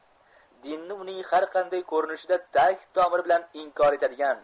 dinni uning har qanday ko'rinishida tag tomiri bilan inkor etadigan